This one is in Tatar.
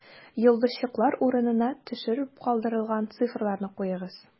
Йолдызчыклар урынына төшереп калдырылган цифрларны куегыз: